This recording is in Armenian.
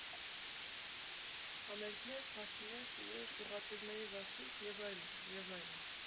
Համերգներ, փարթիներ, տուրեր, ուղղաթիռների վարձույթ և այլն, և այլն։